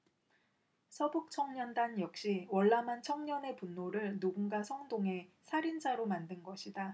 서북청년단 역시 월남한 청년의 분노를 누군가 선동해 살인자로 만든 것이다